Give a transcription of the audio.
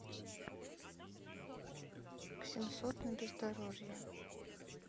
к семьсот на бездорожье